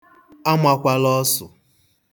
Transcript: Amakwala ọsụ.